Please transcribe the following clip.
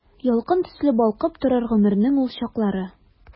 Ялкын төсле балкып торыр гомернең ул чаклары.